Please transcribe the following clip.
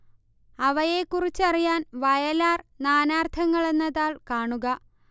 അവയെക്കുറിച്ചറിയാൻ വയലാർ നാനാർത്ഥങ്ങൾ എന്ന താൾ കാണുക